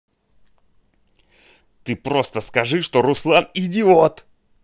ты просто скажи что руслан идиот